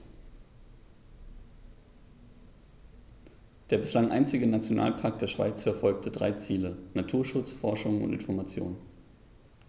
Der bislang einzige Nationalpark der Schweiz verfolgt drei Ziele: Naturschutz, Forschung und Information.